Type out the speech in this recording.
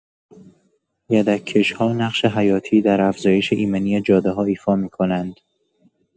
یدک‌کش‌ها نقش حیاتی در افزایش ایمنی جاده‌ها ایفا می‌کنند.